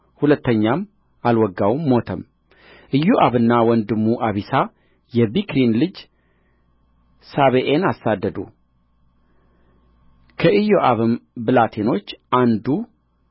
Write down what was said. ሁለተኛም አልወጋውም ሞተም ኢዮአብና ወንድሙ አቢሳ የቢክሪን ልጅ ሳቤዔን አሳደዱ ከኢዮአብም ብላቴኖች አንዱ